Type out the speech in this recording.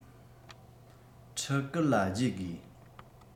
ཕྲུ གུར ལ བརྗེ དགོས